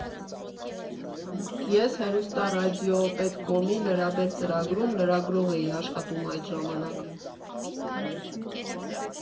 Ես Հեռուստառադիոպետկոմի «Լրաբեր» ծրագրում լրագրող էի աշխատում այդ ժամանակ։